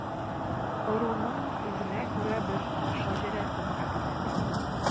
Ыруның үзенә күрә бер шәҗәрәсен хәтерләтә ул.